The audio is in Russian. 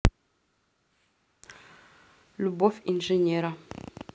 любовь инженера